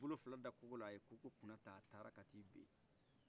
a y'i bolo fila da kokola a ye koko kunata a taara k'a ti ben